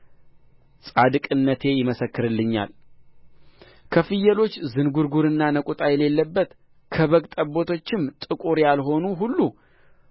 ጻድቅነቴ ይመሰክርልኛል ከፍየሎች ዝንጕርጕርና ነቍጣ የሌለበት ከበግ ጠቦቶችም ጥቁር ያልሆኑ ሁሉ